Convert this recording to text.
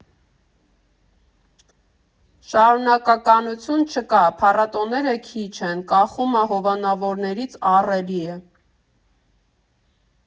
Շարունակականություն չկա, փառատոները քիչ են, կախումը հովանավորներից ահռելի է։